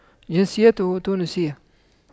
جنسيته تونسية